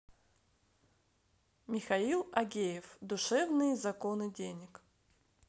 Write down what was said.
михаил агеев душевные законы денег